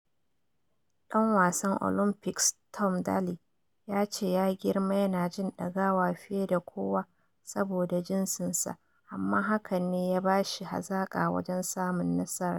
Ɗan wasan Olympics Tom Daley ya ce ya girma yana jin dagawa fiye da kowa saboda jinsin sa - amma hakan ne ya bashi hazaka wajen samun nasara.